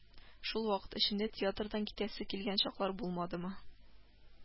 Шул вакыт эчендә театрдан китәсе килгән чаклар булмадымы